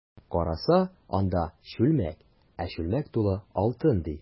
Караса, анда— чүлмәк, ә чүлмәк тулы алтын, ди.